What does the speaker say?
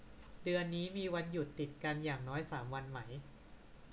เดือนนี้มีวันหยุดติดกันอย่างน้อยสามวันไหม